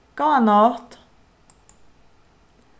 góða nátt